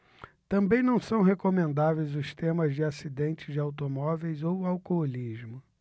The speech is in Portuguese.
também não são recomendáveis os temas de acidentes de automóveis ou alcoolismo